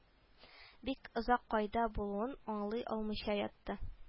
Бик озак кайда булуын аңлый алмыйча ятты